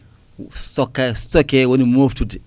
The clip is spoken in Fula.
stockage stoquer woni moftude